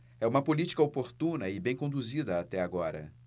é uma política oportuna e bem conduzida até agora